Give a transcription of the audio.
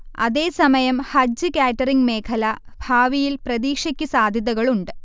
അതേസമയം ഹജജ് കാറ്ററിംഗ് മേഖല ഭാവിയിൽ പ്രതീക്ഷക്ക് സാധ്യതകളുണ്ട്